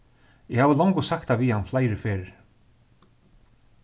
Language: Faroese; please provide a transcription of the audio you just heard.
eg havi longu sagt tað við hann fleiri ferðir